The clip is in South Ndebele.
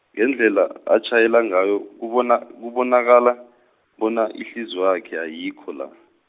ngendlela atjhayela ngayo kubona, kubonakale, bona ihliziywakhe ayikho la.